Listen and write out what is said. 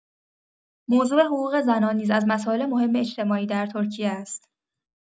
موضوع حقوق زنان نیز از مسائل مهم اجتماعی در ترکیه است.